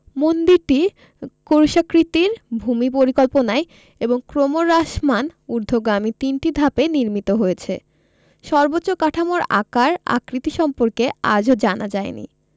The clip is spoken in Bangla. মন্দিরটি ক্রুশাকৃতির ভূমি পরিকল্পনায় এবং ক্রমহ্রাসমান ঊর্ধ্বগামী তিনটি ধাপে নির্মিত হয়েছে সর্বোচ্চ কাঠামোর আকার আকৃতি সম্পর্কে আজও জানা যায় নি